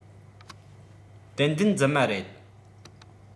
ཏན ཏན རྫུན མ རེད